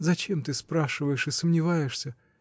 Зачем же спрашиваешь и сомневаешься?